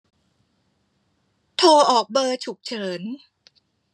โทรออกเบอร์ฉุกเฉิน